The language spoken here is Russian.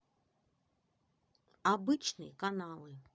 обычный каналы